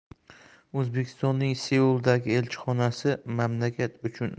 o'zbekistonning seuldagi elchixonasi mamlakat uchun